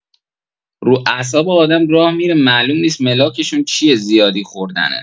رو اعصاب آدم راه می‌ره معلوم نیس ملاکشون چیه زیادی خوردنه.